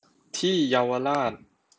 ที่เยาวราช